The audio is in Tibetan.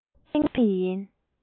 འཕར ངེས ཡིན